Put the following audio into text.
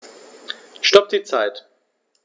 Stopp die Zeit